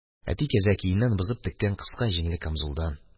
Әти кәзәкиеннән бозып теккән кыска җиңле камзулдан.